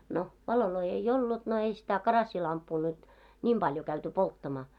no valoja ei ollut no ei sitä karassilamppua nyt niin paljon käyty polttamaan